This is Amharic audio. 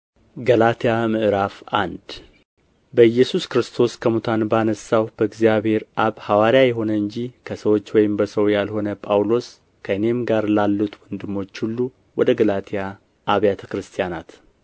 ገላትያ ምዕራፍ አንድ በኢየሱስ ክርስቶስ ከሙታንም ባነሣው በእግዚአብሔር አብ ሐዋርያ የሆነ እንጂ ከሰዎች ወይም በሰው ያልሆነ ጳውሎስ ከእኔም ጋር ያሉት ወንድሞች ሁሉ ወደ ገላትያ አብያተ ክርስቲያናት